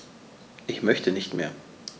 Ich möchte nicht mehr.